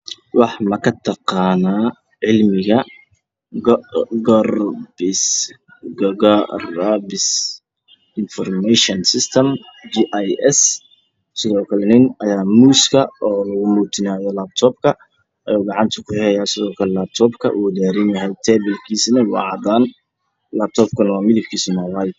Wax maka taqaanaa cilmiga juqraafi system ay ku qoran tahay ayaa meeshan yaalo geeska kalana waxooga sawiran nin laptop gacanta ku hayo laptopkana uu daaran yahay shaashadiisana waa caddaan